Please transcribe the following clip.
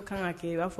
Ko kan ka kɛ i b'a fɔ